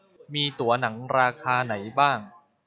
มีตั๋วหนังราคาไหนบ้าง